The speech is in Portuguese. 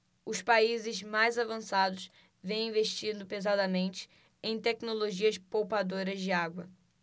os países mais avançados vêm investindo pesadamente em tecnologias poupadoras de água